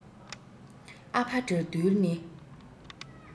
ཨ ཕ དགྲ འདུལ ནི